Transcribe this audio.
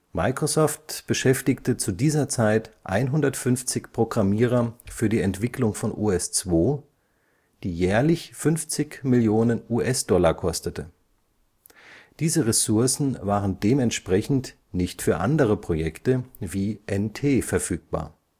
Microsoft beschäftigte zu dieser Zeit 150 Programmierer für die Entwicklung von OS/2, die jährlich 50 Millionen USD kostete; diese Ressourcen waren dementsprechend nicht für andere Projekte wie NT verfügbar